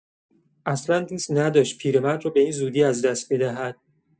اصلا دوست نداشت پیرمرد را به این زودی از دست بدهد.